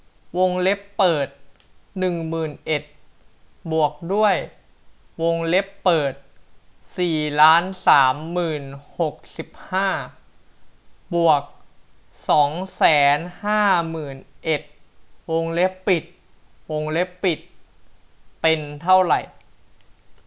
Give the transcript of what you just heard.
วงเล็บเปิดหนึ่งหมื่นเอ็ดบวกด้วยวงเล็บเปิดสี่ล้านสามหมื่นหกสิบห้าบวกสองแสนห้าหมื่นเอ็ดวงเล็บปิดวงเล็บปิดเป็นเท่าไหร่